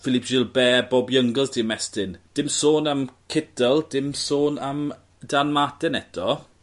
Philippe Gilbert Bob Jungels 'di ymestyn. Dim sôn am Kittel dim sôn am Dan Martin eto.